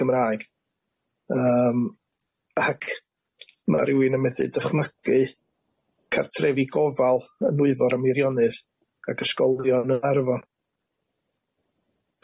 Cymraeg yym ac ma' rywun yn medru dychmygu cartrefi gofal yn Nwyfor a Meirionnydd ag ysgolion yn Arfon.